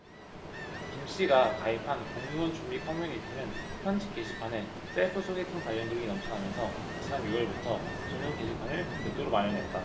김씨가 가입한 공무원 준비 커뮤니티는 현직 게시판에 셀프 소개팅 관련 글이 넘쳐나면서 지난 유 월부터 전용 게시판을 별도로 마련했다